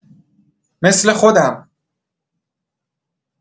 مثل خودم